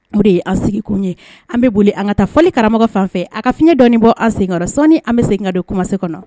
O de ye an sigi kun ye an bɛ boli an ka taa fɔ karamɔgɔ fan fɛ a ka fiɲɛɲɛ dɔnɔni bɔ an sen sɔ an bɛ segin don kumasen kɔnɔ